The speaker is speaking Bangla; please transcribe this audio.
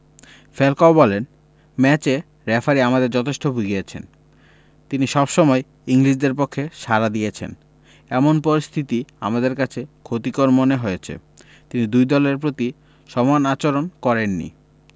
ফ্যালকাও বলেন ম্যাচে রেফারি আমাদের যথেষ্ট ভুগিয়েছেন তিনি সবসময় ইংলিশদের পক্ষে সাড়া দিয়েছেন এমন পরিস্থিতি আমাদের কাছে ক্ষতিকর মনে হয়েছে তিনি দুই দলের প্রতি সমান আচরণ করেননি